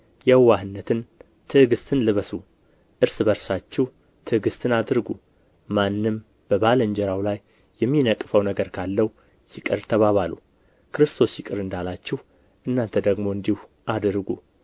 የዋህነትን ትዕግሥትን ልበሱ እርስ በርሳችሁ ትዕግሥትን አድርጉ ማንም በባልንጀራው ላይ የሚነቅፈው ነገር ካለው ይቅር ተባባሉ ክርስቶስ ይቅር እንዳላችሁ እናንተ ደግሞ እንዲሁ አድርጉ